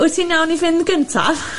wyt ti'n iawn i fynd gyntaf?